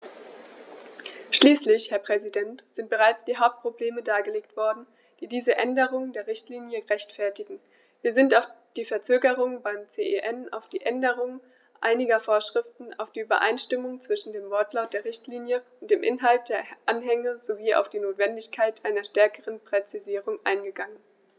Schließlich, Herr Präsident, sind bereits die Hauptprobleme dargelegt worden, die diese Änderung der Richtlinie rechtfertigen, wir sind auf die Verzögerung beim CEN, auf die Änderung einiger Vorschriften, auf die Übereinstimmung zwischen dem Wortlaut der Richtlinie und dem Inhalt der Anhänge sowie auf die Notwendigkeit einer stärkeren Präzisierung eingegangen.